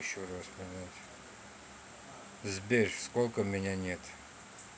сбер сколько меня нет